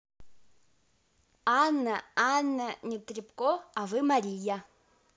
анна анна нетребко а вы мария